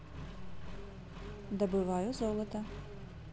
добываю золото